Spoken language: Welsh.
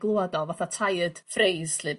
...glŵad o fatha tired phrase 'lly.